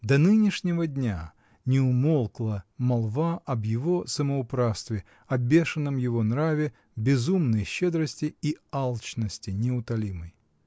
До нынешнего дня не умолкла молва об его самоуправстве, о бешеном его нраве, безумной щедрости и алчности неутолимой.